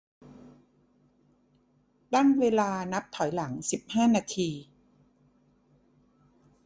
ตั้งเวลานับถอยหลังสิบห้านาที